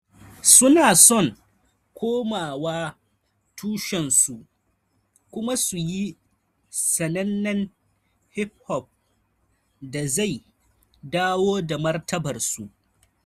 Su na son komawa tushensu kuma su yi sanannen hip hop da zai dawo da martabar su.